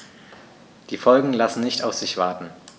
Die Folgen lassen nicht auf sich warten.